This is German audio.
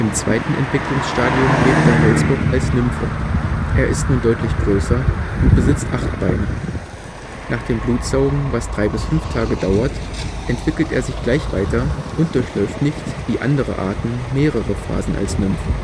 zweiten Entwicklungsstadium lebt der Holzbock als Nymphe. Er ist nun deutlich größer und besitzt acht Beine. Nach dem Blutsaugen, was 3 – 5 Tage dauert, entwickelt er sich gleich weiter und durchläuft nicht wie andere Arten mehrere Phasen als Nymphe